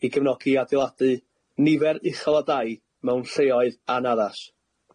i gefnogi i adeiladu nifer uchel o dai mewn lleoedd anaddas.